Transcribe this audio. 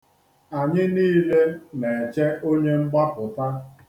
Anyị niile na-eche onye mgbapụta.